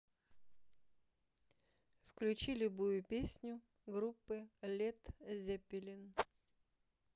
включи любую песню группы лед зеппелин